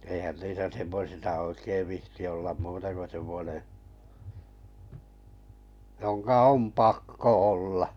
eihän niissä semmoisissa oikein viitsi olla muuta kuin semmoinen jonka on pakko olla